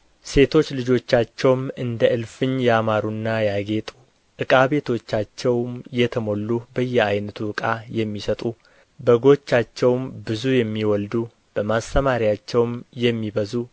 ሴቶች ልጆቻቸውም እንደ እልፍኝ ያማሩና ያጌጡ ዕቃ ቤቶቻቸውም የተሞሉ በየዓይነቱ ዕቃ የሚሰጡ በጎቻቸውም ብዙ የሚወልዱ በማሰማርያቸውም የሚበዙ